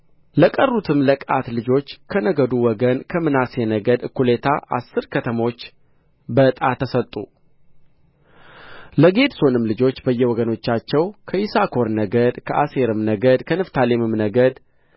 ለቀሩትም ለቀዓት ልጆች ከነገዱ ወገን ከምናሴ ነገድ እኵሌታ አሥር ከተሞች በዕጣ ተሰጡ ለጌድሶንም ልጆች በየወገናቸው ከይሳኮር ነገድ ከአሴርም ነገድ ከንፍታሌምም ነገድ